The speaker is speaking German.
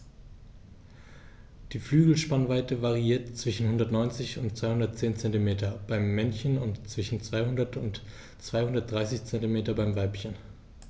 Die Flügelspannweite variiert zwischen 190 und 210 cm beim Männchen und zwischen 200 und 230 cm beim Weibchen.